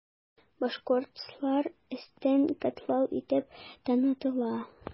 Башкортлар өстен катлау итеп танытыла.